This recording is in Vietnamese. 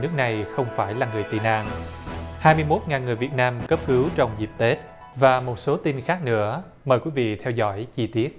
nước này không phải là người tị nạn hai mươi mốt ngàn người việt nam cấp cứu trong dịp tết và một số tin khác nữa mời quý vị theo dõi chi tiết